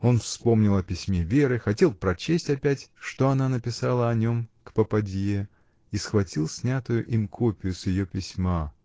Он вспомнил о письме Веры, хотел прочесть опять, что она писала о нем к попадье, и схватил снятую им копию с ее письма.